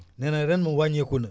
nee na ren moom wàññeeku na